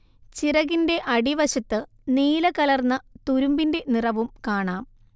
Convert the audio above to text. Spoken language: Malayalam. ചിറകിന്റെ അടിവശത്ത് നീലകലർന്ന തുരുമ്പിന്റെ നിറവും കാണാം